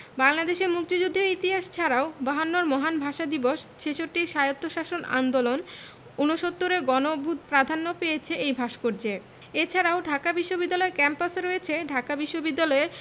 বাংলাদেশের মুক্তিযুদ্ধের ইতিহাস ছাড়াও বায়ান্নর মহান ভাষা দিবস ছেষট্টির স্বায়ত্তশাসন আন্দোলন উনসত্তুরের গণঅভ্যু প্রাধান্য পেয়েছে এ ভাস্কর্যে এ ছাড়াও ঢাকা বিশ্ববিদ্যালয় ক্যাম্পাসে রয়েছে ঢাকা বিশ্ববিদ্যালয়ে